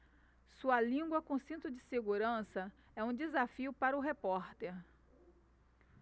sua língua com cinto de segurança é um desafio para o repórter